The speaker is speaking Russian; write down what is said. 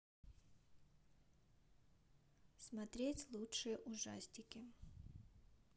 смотреть лучшие ужастики